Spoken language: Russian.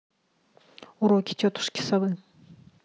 уроки тетушки совы